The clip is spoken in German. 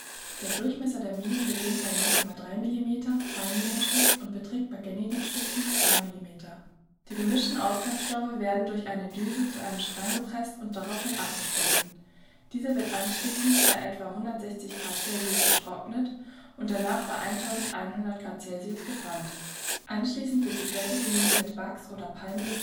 Der Durchmesser der Minen beginnt bei 0,3 mm (Feinminenstift) und beträgt bei gängigen Stiften 2 mm. Die gemischten Ausgangsstoffe werden durch eine Düse zu einem Strang gepresst und daraufhin abgeschnitten. Dieser wird anschließend bei etwa 160 °C getrocknet und danach bei 1100 °C gebrannt. Anschließend wird die fertige Mine mit Wachs oder Palmöl